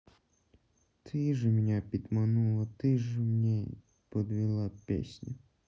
ты же меня пидманула ты ж мене подвела песня